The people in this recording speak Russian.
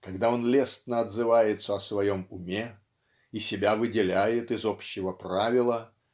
когда он лестно отзывается о своем уме и себя выделяет из общего правила